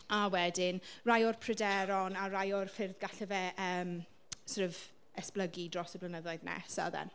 A wedyn rai o'r pryderon a rai o'r ffyrdd galle fe yym sort of esblygu dros y blynyddoedd nesaf dden.